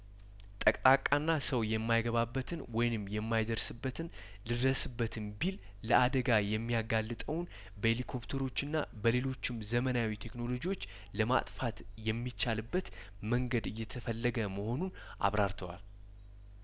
ጠቅጣቃና ሰው የማይገባበትን ወይንም የማይደርስበትን ልድረስበትም ቢል ለአደጋ የሚያጋልጠውን በሂሊኮፕተሮችና በሌሎችም ዘመናዊ ቴክኖሎጂዎች ለማጥፋት የሚቻልበት መንገድ እየተፈለገ መሆኑን አብራርተዋል